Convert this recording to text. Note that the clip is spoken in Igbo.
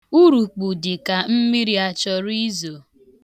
Urukpu dịka mmiri achọrọ izo.